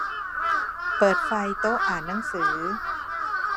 เปิดไฟโต๊ะอ่านหนังสือ